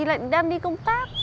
lại đang đi công tác